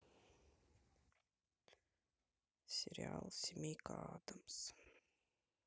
сериал семейка адамс